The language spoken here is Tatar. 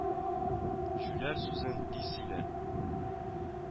Җүләр сүзен тиз сөйләр